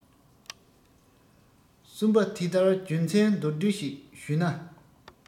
གསུམ པ དེ ལྟར རྒྱུ མཚན མདོར བསྡུས ཤིག ཞུས ན